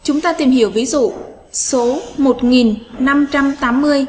chúng ta tìm hiểu ví dụ số